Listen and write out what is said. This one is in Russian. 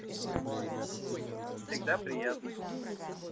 всегда приятно